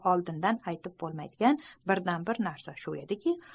oldindan aytib bo'lmaydigan birdan bir narsa shu ediki